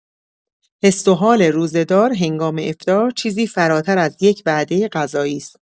حس و حال روزه‌دار هنگام افطار، چیزی فراتر از یک وعده غذایی است.